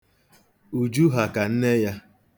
Uju ha ka nne ya.